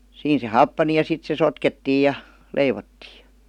siinä se happani ja sitten se sotkettiin ja leivottiin